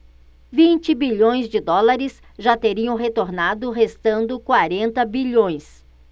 vinte bilhões de dólares já teriam retornado restando quarenta bilhões